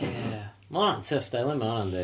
Ia, ma' hwnna'n tough dilemma hwnna yndi.